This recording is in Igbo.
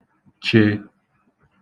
che